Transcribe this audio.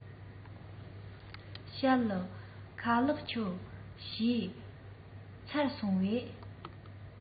ཞལ ལག ཁ ལག མཆོད བཞེས ཚར སོང ངས